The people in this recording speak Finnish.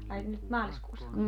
ai nyt maaliskuussako